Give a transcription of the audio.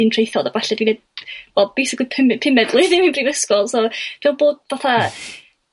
un traethawd a ballu dwi wel basically pumed flwydd yn brifysgol so dwi me'l bo' fatha